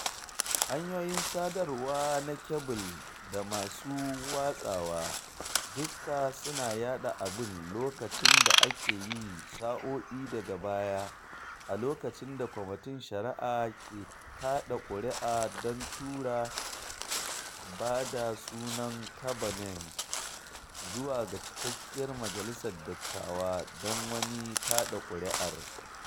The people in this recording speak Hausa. Hanyoyin sadarwa na kebul da masu watsawa dukka suna yaɗa abin lokacin da ake yi sa’o’i daga baya, a lokacin da Kwamitin Shari’ar ke kaɗa kuri’a don tura ba da sunan Kavanaugh zuwa ga cikakkiyar Majalisar Dattawan don wani kaɗa kuri’ar.